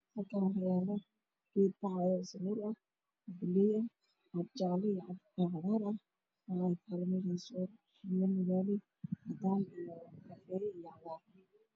Halkaan waxaa ka muuqdo galay shiidan oo sajalaysan midabkeeduna waa cagaar, cadays iyo guduud waxaana garab muuqdo geed galayl ah oo baxaayo